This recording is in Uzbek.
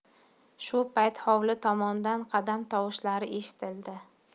shu payt hovli tomondan qadam tovushlari eshitildi